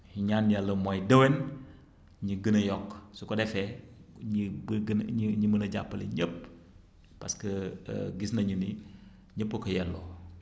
ñu ñaan Yàlla mooy déwén ñu gën a yokk su ko defee ñi ba gën a ñu ñu mën a jàppale ñépp parce que gis nañu ni ñépp a ko yelloo